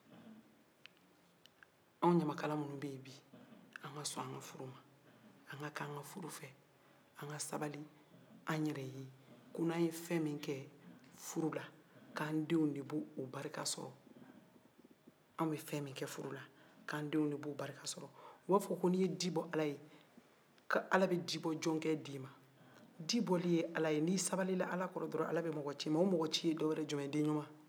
n'an ye fɛn min ke furu la an denw de b'o barika sɔrɔ u b'a fɔ ko n'i ye di bo ala ye ko ala bɛ dibɔjɔnkɛ d'i ma n'i sabalila ala ye dɔrɔn a be ɔgɔ ci i ma o mɔgɔ ye jɔn ye denɲuman